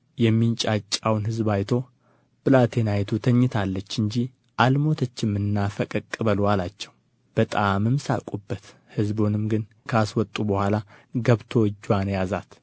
የሚንጫጫውን ሕዝብ አይቶ ብላቴናይቱ ተኝታለች እንጂ አልሞተችምና ፈቀቅ በሉ አላቸው በጣምም ሳቁበት ሕዝቡን ግን ከአስወጡ በኋላ ገብቶ እጅዋን ያዛት